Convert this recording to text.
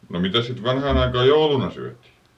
no mitäs sitten vanhaan aikaan jouluna syötiin